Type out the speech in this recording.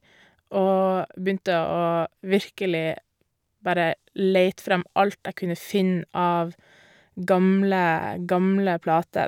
Og begynte å virkelig bare leite frem alt jeg kunne finne av gamle gamle plater.